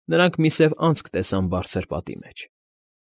Նրանք մի սև անցք տեսան բարձր պատի մեջ։